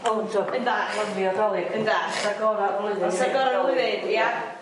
O yndw. Pyn bach. Lyfio 'Dolig. Pyn bach. Amser gora'r flwyddyn. Amsar gora'r flwyddyn ia?